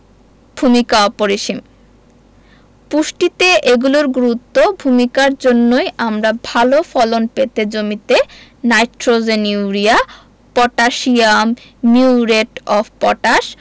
ভূমিকা অপরিসীম পুষ্টিতে এগুলোর গুরুত্ব ভূমিকার জন্যই আমরা ভালো ফলন পেতে জমিতে nitrogen urea potassium muriate of potash